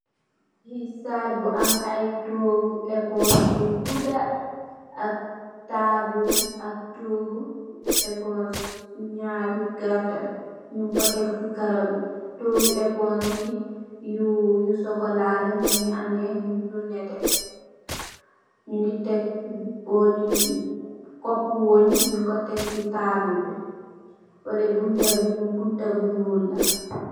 Yesal bu am ayi togu eponge bu guda , ak tabul ak togu, eponge nyari gata nyunkoh teg si karo bi, togu eponge yi, yu chocola len nyungi ameh lu neteh, nyungi teg boli cupo wony nyunko teg si table bi, benen bi bunta bu nyul la .